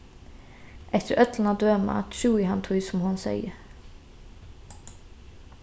eftir øllum at døma trúði hann tí sum hon segði